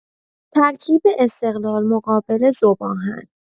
ترکیب استقلال مقابل ذوب‌آهن